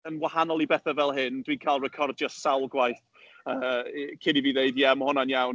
Yn wahanol i bethe fel hyn, dwi'n cal recordio sawl gwaith, yy, cyn i fi ddeud ie, ma' hwnna'n iawn.